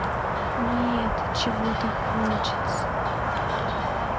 нет чего то хочется